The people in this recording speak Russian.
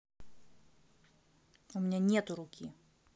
у меня нету руки